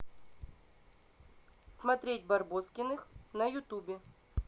смотреть барбоскиных на ютубе